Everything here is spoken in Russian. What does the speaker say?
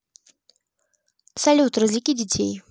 салют развлеки детей